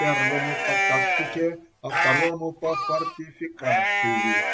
первому по тактике, а второму по фортификации.